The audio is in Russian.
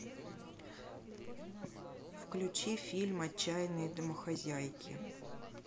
включи фильм отчаянные домохозяйки